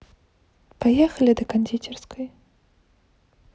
поехали до кондитерской